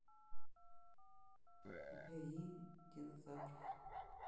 бои динозавров